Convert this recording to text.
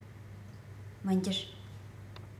མི འགྱུར